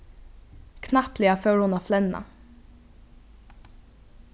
knappliga fór hon at flenna